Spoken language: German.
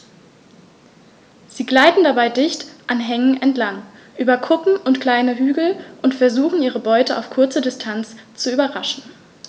Sie gleiten dabei dicht an Hängen entlang, über Kuppen und kleine Hügel und versuchen ihre Beute auf kurze Distanz zu überraschen.